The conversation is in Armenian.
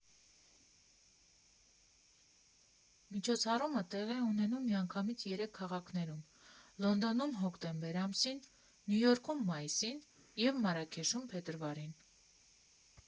Միջոցառումը տեղի է ունենում միանգամից երեք քաղաքներում՝ Լոնդոնում հոկտեմբեր ամսին, Նյու Յորքում՝ մայիսին և Մարաքեշում՝ փետրվարին։